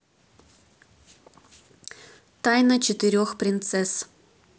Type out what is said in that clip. тайна четырех принцесс